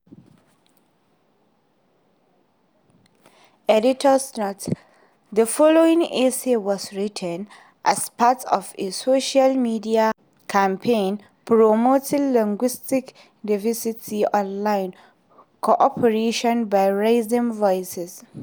Editor's note: The following essay was written as part of a social media campaign promoting linguistic diversity online co-organized by Rising Voices.